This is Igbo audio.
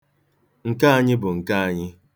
Nke anyị bụ nke anyị